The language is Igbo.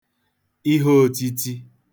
ihe ōtītī